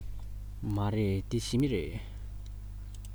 མ རེད འདི ཞི མི རེད